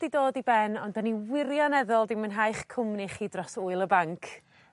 'di dod i ben ond 'dyn ni wirioneddol 'di mwynhau 'ych cwmni chi dros wyl y banc.